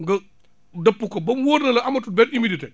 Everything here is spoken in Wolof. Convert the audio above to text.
nga dëpp ko ba mu wóor ne la amatul benn humidité